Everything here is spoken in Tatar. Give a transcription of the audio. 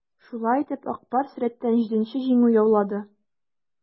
Шулай итеп, "Ак Барс" рәттән җиденче җиңү яулады.